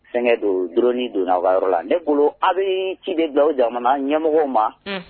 Sɛnɛdo drone donn'aw ka yɔrɔ la, ne bolo a bɛ ci de bila o jamanaɲɛmɔgɔw ma